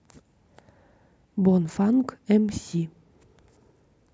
бонфанк м си